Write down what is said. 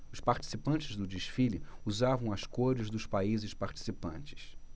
os participantes do desfile usavam as cores dos países participantes